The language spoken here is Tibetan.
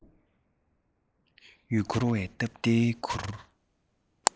ཡུལ སྐོར བའི སྟབས བདེའི གུར